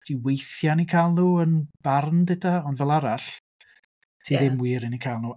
Ti weithiau yn eu cael nhw yn Barn deuda, ond fel arall ti... ia. ...ddim wir yn eu cael nhw.